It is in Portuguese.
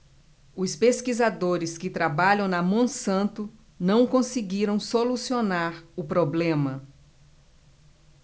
os pesquisadores que trabalham na monsanto não conseguiram solucionar o problema